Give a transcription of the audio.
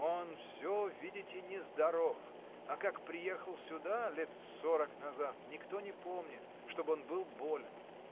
Он всё, видите, нездоров, а как приехал сюда, лет сорок назад, никто не помнит, чтоб он был болен.